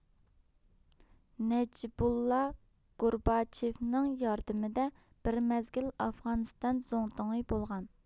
نەجىبۇللا گورباچېۋنىڭ ياردىمىدە بىر مەزگىل ئافغانىستان زۇڭتۇڭى بولغان